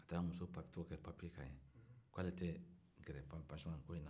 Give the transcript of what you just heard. a taara muso tɔgɔ kɛ papiye la ye k'ale tɛ gɛrɛ pansiyɔn ko in na